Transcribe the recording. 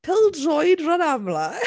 Pel-droed ran amla!